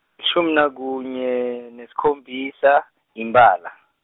lishumi nakunye, nesikhombisa, iMpala.